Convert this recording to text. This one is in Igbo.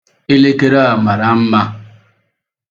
Elekere a mara mma.